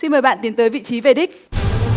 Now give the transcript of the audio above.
xin mời bạn tiến tới vị trí về đích